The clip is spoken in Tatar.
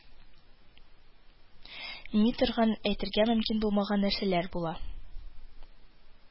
Ми торган, әйтергә мөмкин булмаган нәрсәләр була